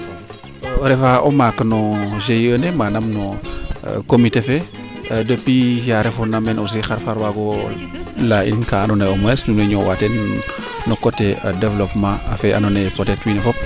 refa o maak no GIE fe manaam no comité fee depuis yaa refoona xar waago leya in ka ando naye au moins nuun way ñoowa teen no coté developpement fee ando naye peut etre wiin we fop